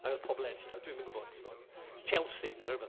Ac oedd pobl eraill, fel dwi'm yn gwybod timod, Chelsea neu rywbeth.